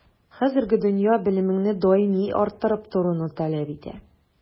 Хәзерге дөнья белемеңне даими арттырып торуны таләп итә.